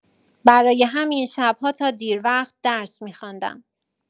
برای همین شب‌ها تا دیر وقت درس می‌خواندم.